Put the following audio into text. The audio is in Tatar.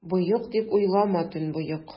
Боек, дип уйлама, төнбоек!